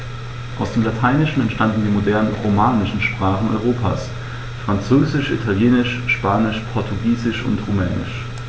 Aus dem Lateinischen entstanden die modernen „romanischen“ Sprachen Europas: Französisch, Italienisch, Spanisch, Portugiesisch und Rumänisch.